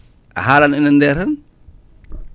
a halannno indede tan